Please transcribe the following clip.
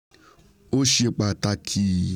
Ó ṣe pàtàkì.